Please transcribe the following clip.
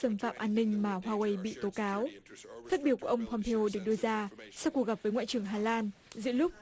xâm phạm an ninh mà hoa guây bị tố cáo phát biểu của ông pam peo ô được đưa ra sau cuộc gặp với ngoại trưởng hà lan giữa lúc